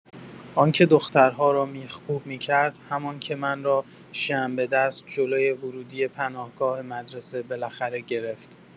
آن‌که دخترها را میخکوب می‌کرد، همان که من را شمع‌به‌دست، جلو ورودی پناهگاه مدرسه بالاخره گرفت.